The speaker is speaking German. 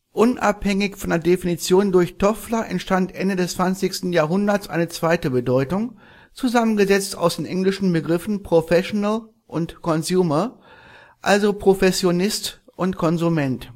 Unabhängig von der Definition durch Toffler entstand Ende des 20. Jahrhunderts eine zweite Bedeutung, zusammengesetzt aus den englischen Begriffen „ professional “und „ Consumer “– also „ Professionist “und „ Konsument